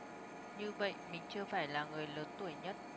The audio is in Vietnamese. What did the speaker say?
như vậy mình chưa phải là người lớn tuổi nhất